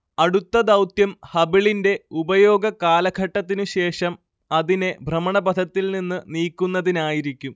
അടുത്ത ദൗത്യം ഹബിളിന്റെ ഉപയോഗ കാലഘട്ടത്തിന് ശേഷം അതിനെ ഭ്രമണപഥത്തിൽ നിന്ന് നീക്കുന്നതിനായിരിക്കും